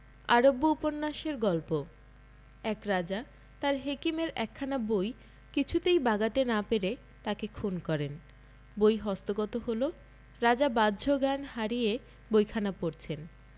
আরব্যোপন্যাসের গল্প এক রাজা তাঁর হেকিমের একখানা বই কিছুতেই বাগাতে না পেরে তাঁকে খুন করেন বই হস্তগত হল রাজা বাহ্যজ্ঞান হারিয়ে বইখানা পড়ছেন